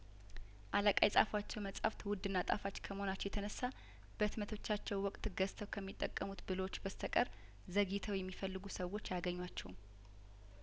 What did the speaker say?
አለቃ የጻፏቸው መጽሀፍት ውድና ጣፋጭ ከመሆናቸው የተነሳ በህትመቶቻቸው ወቅት ገዝተው ከሚጠቀሙት ብልህዎች በስተቀር ዘግይተው የሚፈልጉ ሰዎች አያገኟቸውም